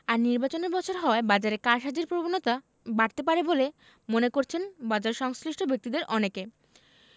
আর নির্বাচনের বছর হওয়ায় বাজারে কারসাজির প্রবণতা বাড়তে পারে বলে মনে করছেন বাজারসংশ্লিষ্ট ব্যক্তিদের অনেকে